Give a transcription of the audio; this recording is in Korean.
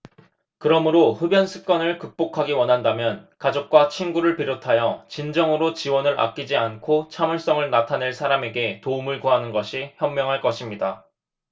그러므로 흡연 습관을 극복하기 원한다면 가족과 친구를 비롯하여 진정으로 지원을 아끼지 않고 참을성을 나타낼 사람에게 도움을 구하는 것이 현명할 것입니다